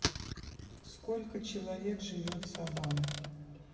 сколько человек живет сабан